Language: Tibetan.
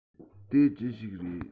དེ ཅི ཞིག རེད